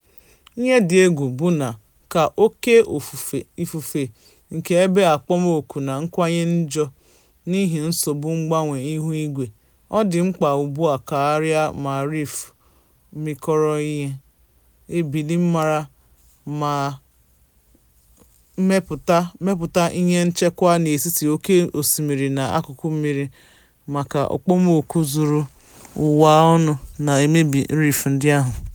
Ihe dị egwu bụ na, ka oké ifufe nke ebe okpomọọkụ na-akawanye njọ n'ihi nsogbu mgbanwe ihuigwe, ọ dị mkpa ugbua karịa ka Reef mịkọrọ ike ebili mmiri ma mepụta ihe nchekwa n'etiti oké osimiri na akụkụ mmiri- mana okpomọọkụ zuru ụwa ọnụ na-emebi Reef ndị ahụ.